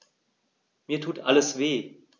Mir tut alles weh.